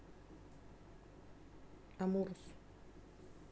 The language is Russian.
амурус